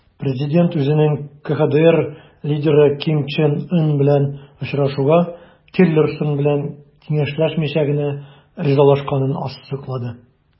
Президент үзенең КХДР лидеры Ким Чен Ын белән очрашуга Тиллерсон белән киңәшләшмичә генә ризалашканын ассызыклады.